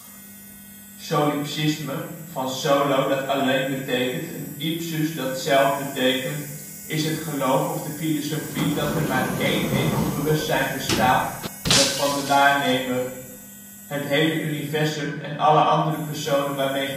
Solipsisme (van solo, alleen, en ipsus, zelf) is het geloof of de filosofie dat er maar een enkel bewustzijn bestaat: dat van de waarnemer. Het hele universum en alle andere personen waarmee